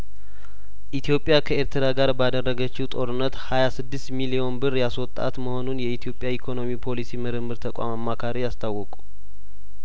ኢትዮጵያ ከኤርትራ ጋራ ባደረገችው ጦርነት ሀያስድስት ቢሊዮን ብር ያስወጣት መሆኑን የኢትዮጵያ ኢኮኖሚ ፖሊሲ ምርምር ተቋም አማካሪ አስታወቁ